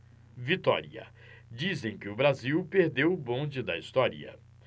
vitória dizem que o brasil perdeu o bonde da história